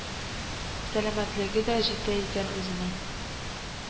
Сәламәтлеге дә җитә икән үзенең